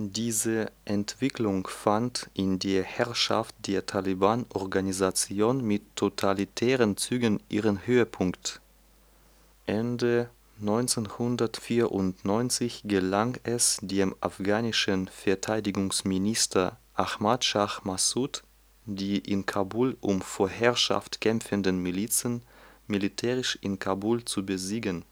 Diese Entwicklung fand in der Herrschaft der Talibanorganisation mit totalitären Zügen ihren Höhepunkt. Ende 1994 gelang es dem afghanischen Verteidigungsminister Ahmad Shah Massoud die in Kabul um Vorherrschaft kämpfenden Milizen militärisch in Kabul zu besiegen